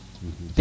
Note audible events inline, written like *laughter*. *hesitation* *hesitation*